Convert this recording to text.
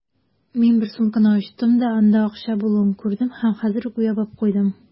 Мин бер сумканы ачтым да, анда акча булуын күрдем һәм хәзер үк ябып куйдым.